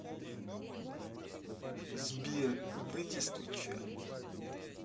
сбер выйди с твича